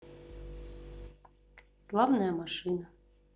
славная машина